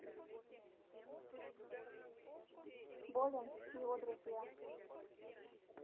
болен и его друзья